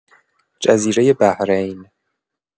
جزیره بحرین